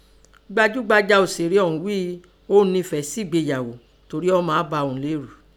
Gbajúgbajà ọṣèré ọ̀ún ghíi óun nifẹ̀ẹ́ sígbéyàó torí ọ́ọ́ máa ba òun lérù.